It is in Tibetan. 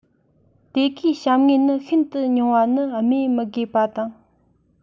དེ གའི བཤམས དངོས ནི ཤིན ཏུ ཉུང བ ནི སྨོས མི དགོས པ དང